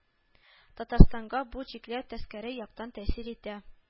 Татарстанга бу чикләү таскәре яктан тәэсир итә